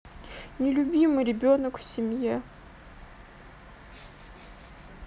нелюбимый ребенок в семье